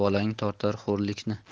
bolang tortar xo'rlikni